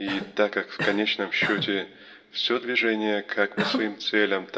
И так как в конечном счете все движение как по своим целям